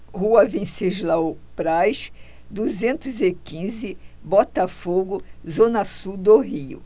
rua venceslau braz duzentos e quinze botafogo zona sul do rio